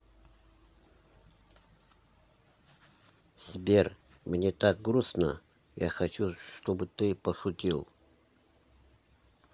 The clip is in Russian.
сбер мне так грустно я хочу чтобы ты пошутил